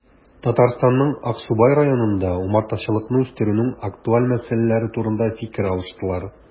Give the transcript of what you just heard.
Татарстанның Аксубай районында умартачылыкны үстерүнең актуаль мәсьәләләре турында фикер алыштылар